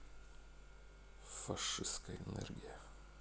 фашистская энергия